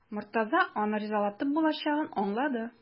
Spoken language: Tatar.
Мортаза аны ризалатып булачагын аңлады.